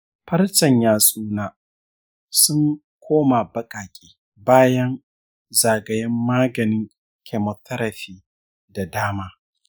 farcen yatsuna sun koma baƙaƙe bayan zagayen maganin chemotherapy da dama.